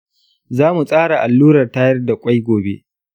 za mu tsara allurar tayar da ƙwai gobe.